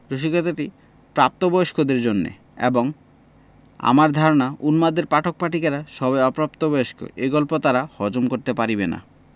রসিকতাটা প্রাত বয়স্কদের জন্যে এবং আমার ধারণা উন্মাদের পাঠক পাঠিকারা সবাই অপ্রাতবয়স্ক এই গল্প তারা হজম করতে পারিবে না